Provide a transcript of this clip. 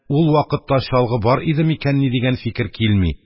Ул вакытта чалгы бар иде микәнни?» дигән фикер килми,